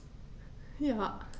Ja.